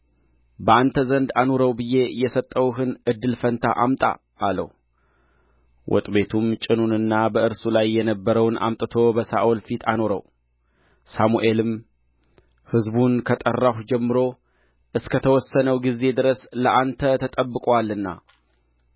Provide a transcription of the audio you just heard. በአንተ ዘንድ አኑረው ብዬ የሰጠሁህን እድል ፈንታ አምጣ አለው ወጥቤቱም ጭኑንና በእርሱ ላይ የነበረውን አምጥቶ በሳኦል ፊት አኖረው ሳሙኤልም ሕዝቡን ከጠራሁ ጀምሮ እስከ ተወሰነው ጊዜ ድረስ ለአንተ ተጠብቆአልና